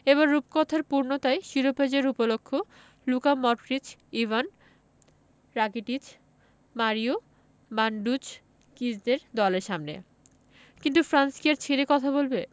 এবার রূপকথার পূর্ণতায় শিরোপা জয়ের উপলক্ষ Luka Modric Ivan Rakitic Mario মান্ডূজকিচদের দলের সামনে কিন্তু ফ্রান্স কি আর ছেড়ে কথা বলবে